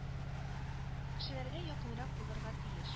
Кешеләргә якынрак булырга тиеш